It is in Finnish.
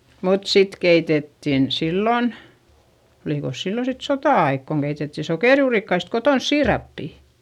mutta sitten keitettiin silloin olikos silloin sitten sota-aika kun keitettiin sokerijuurikkaista kotona siirappia